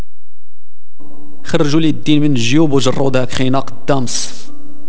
تخرج ولدي من الروضه